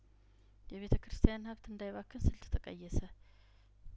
የቤተክርስቲያን ሀብት እንዳይባክን ስልት ተቀየሰ